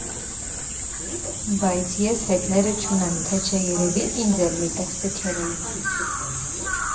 Բայց ես հետները չունեմ, թե չէ երևի ինձ էլ մի տեղ կքերեին։